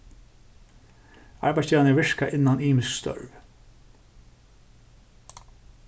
arbeiðsgevararnir virka innan ymisk størv